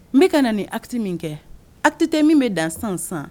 N ka na ni ati min kɛ atite min bɛ dan san san